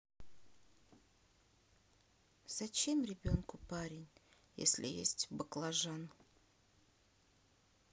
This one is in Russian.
зачем ребенку парень если есть баклажан